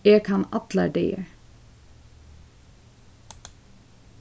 eg kann allar dagar